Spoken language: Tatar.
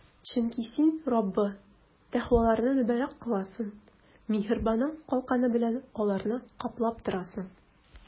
Чөнки Син, Раббы, тәкъваларны мөбарәк кыласың, миһербаның калканы белән аларны каплап торасың.